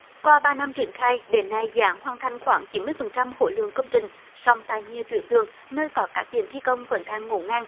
qua ba năm triển khai đến này dạng hoàn thành khoảng chín mươi phần trăm khối lượng công trình song tại nhiều tuyến đường nơi có các điểm thi công vẫn đang ngổn ngang